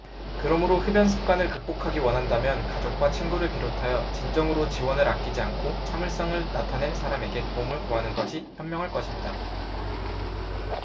그러므로 흡연 습관을 극복하기 원한다면 가족과 친구를 비롯하여 진정으로 지원을 아끼지 않고 참을성을 나타낼 사람에게 도움을 구하는 것이 현명할 것입니다